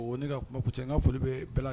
O ye ne ka kuma kuncɛ ye n ka foli bɛ bɛɛ laj